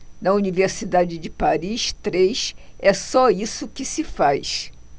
na universidade de paris três é só isso que se faz